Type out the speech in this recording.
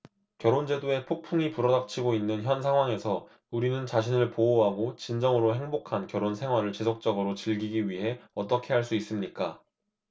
결혼 제도에 폭풍이 불어 닥치고 있는 현 상황에서 우리는 자신을 보호하고 진정으로 행복한 결혼 생활을 지속적으로 즐기기 위해 어떻게 할 수 있습니까